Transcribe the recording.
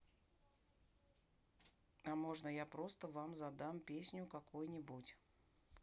а можно я просто вам задам песню какой нибудь